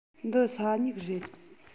འདི ས སྨྱུག རེད